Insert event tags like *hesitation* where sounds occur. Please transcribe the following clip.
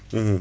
*hesitation* *hesitation*